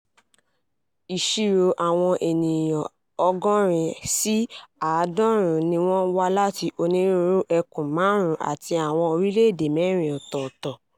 Ìṣirò àwọn èèyàn 80 sí 90 ni wọ́n wá láti onírúurú ẹkùn 5 àti àwọn orílẹ̀-èdè 4 ọ̀tọ̀ọ̀tọ̀.